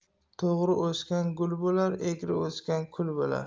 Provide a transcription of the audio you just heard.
to'g'ri o'sgan gul bo'lar egri o'sgan kul bo'lar